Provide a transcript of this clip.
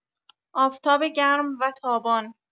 آفتاب گرم و تابان